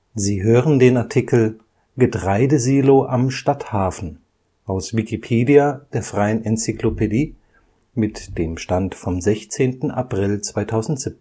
Sie hören den Artikel Getreidesilo Am Stadthafen, aus Wikipedia, der freien Enzyklopädie. Mit dem Stand vom Der